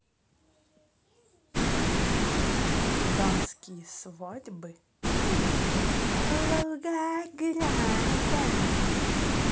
суданские свадьбы город волгоград